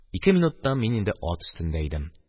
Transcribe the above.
Ике минуттан мин инде ат өстендә идем.